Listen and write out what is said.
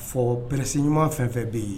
Fɔ pɛressi ɲuman fɛn fɛn bɛ yen